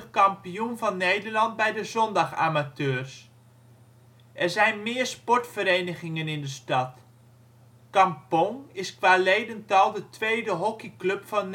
kampioen van Nederland bij de zondagamateurs. Er zijn meer sportverenigingen in de stad. Kampong is qua ledental de tweede hockeyclub van Nederland